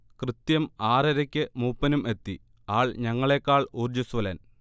കൃത്യം ആറരക്ക് മൂപ്പനും എത്തി, ആൾ ഞങ്ങളേക്കാൾ ഊർജ്ജസ്വലൻ